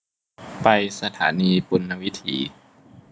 ไปสถานีปุณณวิถี